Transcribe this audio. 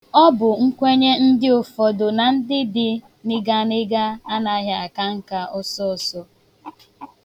Ọ bụ nkwenye ndị ụfọdụ na ndị dị nịganịga anaghị aka nka ọsọọsọ.